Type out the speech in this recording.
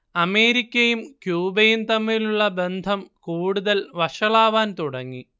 അമേരിക്കയും ക്യൂബയും തമ്മിലുള്ള ബന്ധം കൂടുതൽ വഷളാവാൻ തുടങ്ങി